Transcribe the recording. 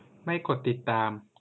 ไม่กดติดตาม